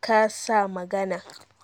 kasa magana.